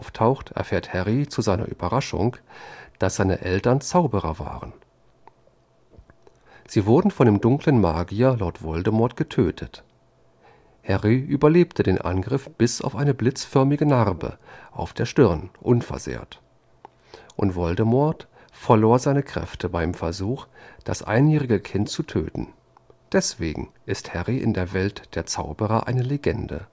auftaucht, erfährt Harry zu seiner Überraschung, dass seine Eltern Zauberer waren. Sie wurden von dem dunklen Magier Lord Voldemort getötet. Harry überlebte den Angriff bis auf eine blitzförmige Narbe auf der Stirn unversehrt, und Voldemort verlor seine Kräfte beim Versuch, das einjährige Kind zu töten. Deswegen ist Harry in der Welt der Zauberer eine Legende